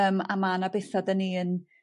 Yym a ma' 'na betha 'dan ni yn